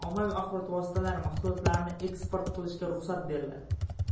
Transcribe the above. ommaviy axborot vositalari mahsulotlarini eksport qilishga ruxsat beriladi